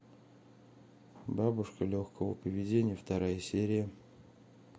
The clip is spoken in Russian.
бабушка легкого поведения вторая серия